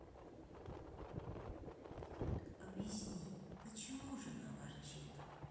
объясни почему жена ворчит